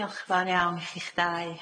Diolch yn fawr iawn i chi'ch dau.